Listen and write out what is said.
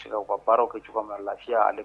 Ka baara kɛ cogoya min layaale